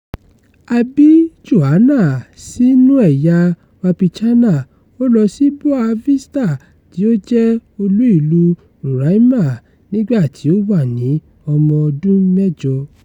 A bí Joana sínú ẹ̀yà Wapichana, ó lọ sí Boa Vista tí ó jẹ́ olú-ìlú Roraima nígbà tí ó wà ní ọmọ ọdún mẹ́jọ.